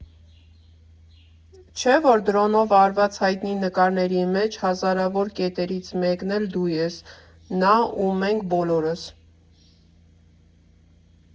Չէ՞ որ դրոնով արված հայտնի նկարների մեջ հազարավոր կետերից մեկն էլ դու ես, նա ու մենք բոլորս։